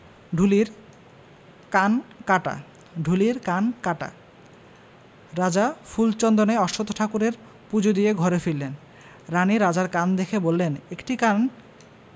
ঢুলির কান কাটা ঢুলির কান কাটা রাজা ফুল চন্দনে অশ্বত্থ ঠাকুরের পুজো দিয়ে ঘরে ফিরলেন রানী রাজার কান দেখে বললেন একটি কান